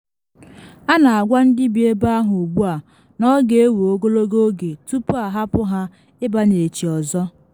A na agwa ndị bi ebe ahụ ugbu a, na ọ ga-ewe ogologo oge tupu ahapụ ha ịbanyechi ọzọ.